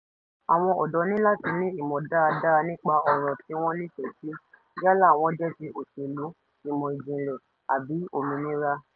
Àwọn ọ̀dọ́ ní láti ní ìmọ̀ dáadáa nípa àwọn ọ̀ràn tí wọ́n nífẹ̀ẹ́ sí — yálà wọ́n jẹ́ ti òṣèlú, ìmọ̀ ìjìnlẹ̀, àbí òmíràn.